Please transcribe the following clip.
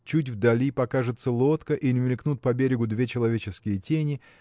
чуть вдали покажется лодка или мелькнут по берегу две человеческие тени